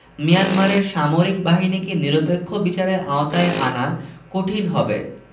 মিয়ানমারের সামরিক বাহিনীকে নিরপেক্ষ বিচারের আওতায় আনা কঠিন হবে